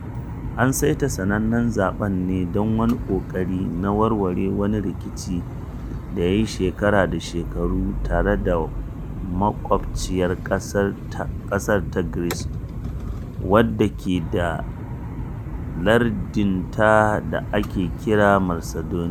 An saita sanannen zaɓen ne don wani ƙoƙari na warware wani rikicin da ya yi shekara da shekaru tare da makwaɓciyar ƙasa ta Greece, wadda ke da lardinta da ake kira Macedonia.